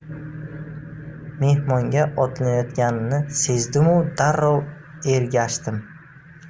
mehmonga otlanayotganini sezdimu darrov ergashdim